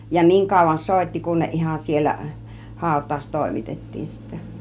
ja niin kauan soitti kun ne ihan siellä hautaus toimitettiin sitten